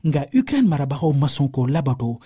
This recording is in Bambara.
nka ukraine marabagaw ma sɔn k'o labato